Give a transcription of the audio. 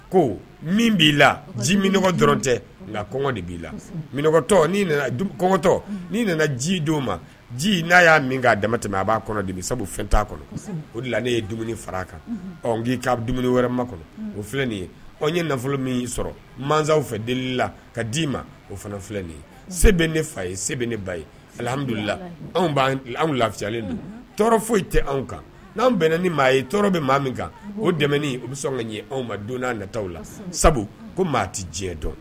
Ko min b'i la ji minɔgɔ dɔrɔn tɛ nka kɔngɔ de b'i la minɛnɔgɔtɔ kɔntɔ n'i nana ji don o ma ji n'a y'a min k'a dama tɛmɛ a b'a kɔnɔ de bɛ sabu fɛn t' kɔnɔ o la ne ye dumuni fara kan ɔ n'i'a dumuni wɛrɛ ma kɔnɔ o filɛ nin ye o ye nafolo min y'i sɔrɔ masaw fɛ delila ka d'i ma o fana filɛ nin ye se bɛ ne fa ye se ne ba yehamdulila lafiyalen don tɔɔrɔ foyi tɛ anw kan n' anw bɛnna ni maa ye bɛ maa min kan o dɛmɛ o bɛ sɔn ka ɲɛ anw ma don'a nata la sabu ko maa tɛ diɲɛ dɔn